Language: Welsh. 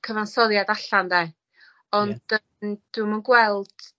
cyfansoddiad allan 'de. Ond yy n- dwi'm yn gweld